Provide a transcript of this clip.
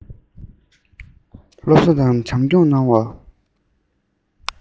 སློབ གསོ དང བྱམས སྐྱོང གནང བ